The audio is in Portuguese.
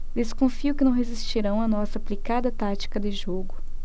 desconfio que não resistirão à nossa aplicada tática de jogo